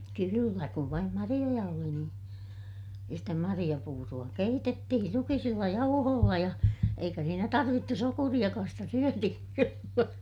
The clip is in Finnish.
kyllä kun vain marjoja oli niin ja sitä marjapuuroa keitettiin rukiisilla jauhoilla ja eikä siinä tarvittu sokeriakaan sitä syötiin kyllä